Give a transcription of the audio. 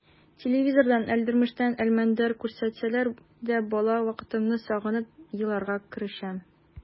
Телевизордан «Әлдермештән Әлмәндәр» күрсәтсәләр дә бала вакытымны сагынып еларга керешәм.